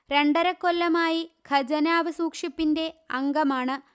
രണ്ടര കൊല്ലമായി ഖജനാവ് സൂക്ഷിപ്പിന്റെ അംഗമാണ്